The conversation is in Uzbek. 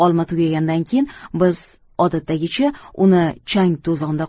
olma tugagandan keyin biz odatdagicha uni chang to'zonda